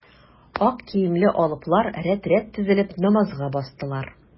Ак киемле алыплар рәт-рәт тезелеп, намазга бастылар.